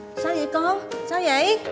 sao dậy con sao dậy